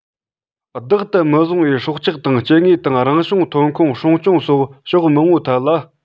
བདག ཏུ མི བཟུང བའི སྲོག ཆགས དང སྐྱེ དངོས དང རང བྱུང ཐོན ཁུངས སྲུང སྐྱོང སོགས ཕྱོགས མང པོའི ཐད ལ